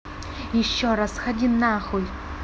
еще раз сходить на хуй